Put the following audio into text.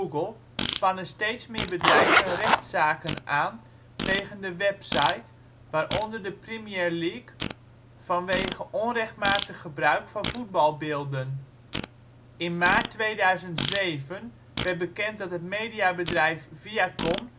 Google spannen steeds meer bedrijven rechtszaken aan tegen de website, waaronder de Premier League vanwege onrechtmatig gebruik van voetbalbeelden. In maart 2007 werd bekend dat het mediabedrijf Viacom